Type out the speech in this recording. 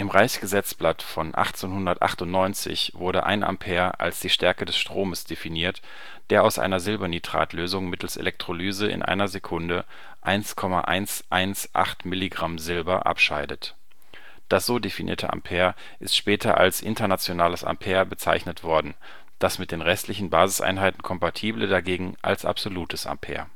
Reichsgesetzblatt von 1898 wurde 1 Ampere als die Stärke des Stromes definiert, der aus einer Silbernitrat-Lösung mittels Elektrolyse in einer Sekunde 1,118 mg Silber abscheidet. Das so definierte Ampere ist später als internationales Ampere bezeichnet worden; das mit den restlichen Basiseinheiten kompatible dagegen als absolutes Ampere